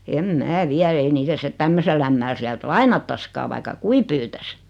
en minä vie ei niitä sitten tämmöiselle ämmälle sieltä lainattaisikaan vaikka kuinka pyytäisi